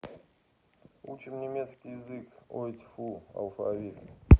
учим немецкий язык ой тьфу алфавит